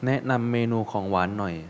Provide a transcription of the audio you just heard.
แนะนำเมนูของหวานหน่อย